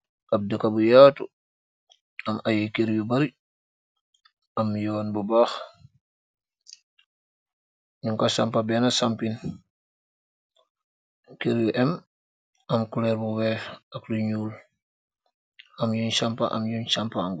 Ahpp dehkah bu yaaatu, am aiiy Kerr yu bari, am yon bu bakh, njung kor sampah benah sampin, kerr yu emm, am couleur bu wekh ak lu njull, am yungh sampah am yungh sampah ngut.